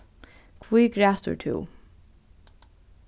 hví grætur tú